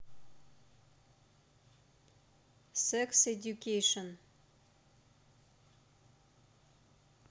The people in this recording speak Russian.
секс эдьюкейшен